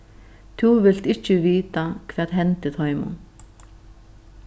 tú vilt ikki vita hvat hendi teimum